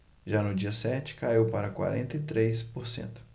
já no dia sete caiu para quarenta e três por cento